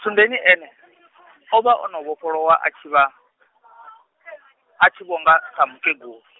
-tsundeni ene , o vha o no vhofholowa a tshi vha , a tshi vho nga sa mukegulu.